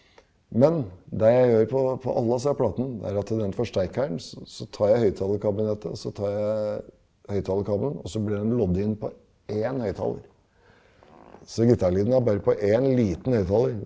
men det jeg gjør på på alle disse av platene er at den forsterkeren så så tar jeg høyttalerkabinettet også tar jeg høyttalerkabelen også blir den lodd inn på en høyttaler, så gitarlyden har bare på én liten høyttaler.